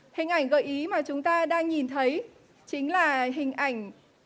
hình ảnh gợi ý mà chúng ta đang nhìn thấy chính là hình ảnh